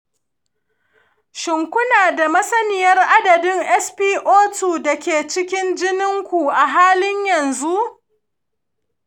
shin kuna da masaniyar adadin spo2 da ke cikin jinin ku a halin yanzu?